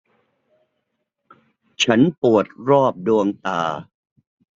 ฉันปวดรอบดวงตา